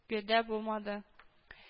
Теләгедә булмады